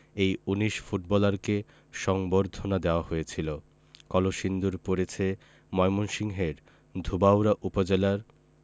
এই ১৯ ফুটবলারকে সংবর্ধনা দেওয়া হয়েছিল কলসিন্দুর পড়েছে ময়মনসিংহের ধোবাউড়া উপজেলার